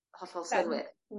hollol synwyr.